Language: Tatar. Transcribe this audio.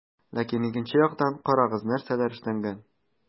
Ләкин икенче яктан - карагыз, нәрсәләр эшләнгән.